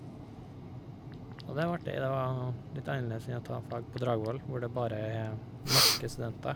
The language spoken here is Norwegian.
Og det var artig, det var litt annerledes enn å ta fag på Dragvoll hvor det bare er norske studenter.